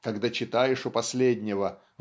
Когда читаешь у последнего